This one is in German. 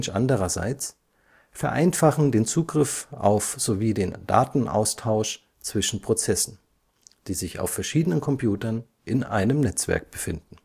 andererseits, vereinfachen den Zugriff auf sowie den Datenaustausch zwischen Prozessen, die sich auf verschiedenen Computern in einem Netzwerk befinden